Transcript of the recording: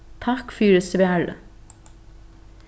takk fyri svarið